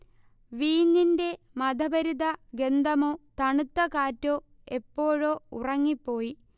വീഞ്ഞിന്റെ മദഭരിത ഗന്ധമോ, തണുത്ത കാറ്റോ, എപ്പോഴോ ഉറങ്ങിപ്പോയി